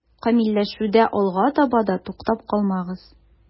Камилләшүдә алга таба да туктап калмагыз.